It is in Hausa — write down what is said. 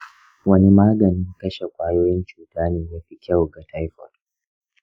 wani maganin kashe ƙwayoyin cuta ne ya fi kyau ga taifoid?